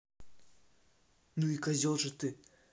ну и козел же ты